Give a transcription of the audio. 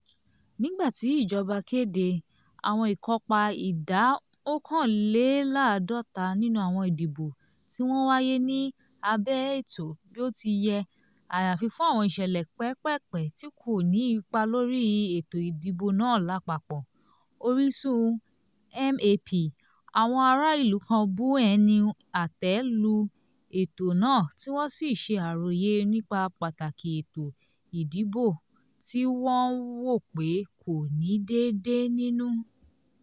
Nígbà tí ìjọba kéde "àwọn ìkópa ìdá 51% nínú àwọn ìdìbò tí wọ́n wáyé ní abẹ́ ètò bí ó ti yẹ, àyàfi fún àwọn ìṣẹ̀lẹ̀ pẹ́ẹ́pẹ́ẹ̀pẹ́ tí kò ní ipa lórí ètò ìdìbò náà lápapọ̀" (orísun: MAP), àwọn ará-ìlú kan bu ẹnu àtẹ́ lu ètò náà tí wọ́n sì ṣe àròyé nípa pàtàkì ètò ìdìbò tí wọ́n wò pé kò ní déédé nínú.